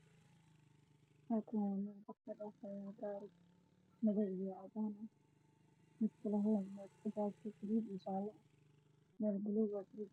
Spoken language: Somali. Waa laami cidlo ah bajaaj ayaa maraysa